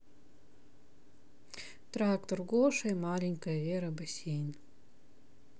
трактор гоша и маленькая вера бассейн